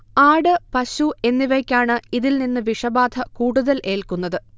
ആട്, പശു എന്നിവയ്ക്കാണ് ഇതിൽ നിന്ന് വിഷബാധ കൂടുതൽ ഏൽക്കുന്നത്